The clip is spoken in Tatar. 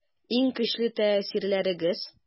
Иң көчле тәэсирләрегез?